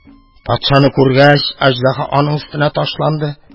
Патшаны күрүгә, аҗдаһа аның өстенә ташланды.